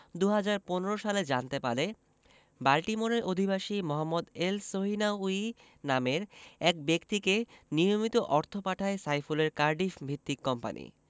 ২০১৫ সালে জানতে পারে বাল্টিমোরের অধিবাসী মোহাম্মদ এলসহিনাউয়ি নামের এক ব্যক্তিকে নিয়মিত অর্থ পাঠায় সাইফুলের কার্ডিফভিত্তিক কোম্পানি